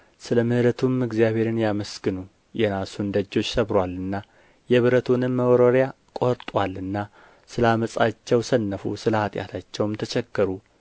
ስለ ምሕረቱም እግዚአብሔርን ያመስግኑ የናሱን ደዶች ሰብሮአልና የብረቱንም መወርወሪያ ቈርጦአልና ስለ ዓመፃቸው ሰነፉ ስለ ኃጢአታቸውም ተቸገሩ